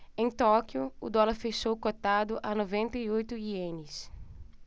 em tóquio o dólar fechou cotado a noventa e oito ienes